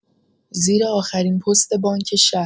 زیر آخرین پست‌بانک شهر